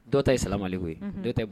Dɔ ta ye salama ye dɔ tɛ